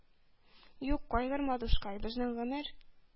Юк, кайгырма, дускай, безнең гомер